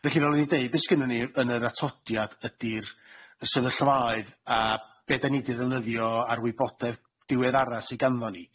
Felly fel ro'n i'n deu be sgennon ni yn yr atodiad ydi'r y sefyllfaoedd a be' dan ni 'di ddefnyddio a'r wybodaeth diweddara sy ganddon ni.